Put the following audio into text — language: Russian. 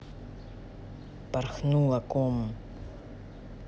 порнуха ком